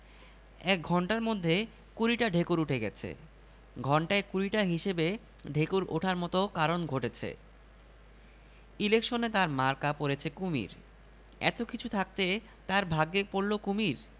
এলেবেলে ২ হুমায়ূন আহমেদ সিদ্দিকুর রহমান খন্দকার বিরস মুখে বসে আছেন মন খারাপ হলেই তাঁর টক ঢেকুর ওঠে সন্ধ্যা থেকে তাই উঠছে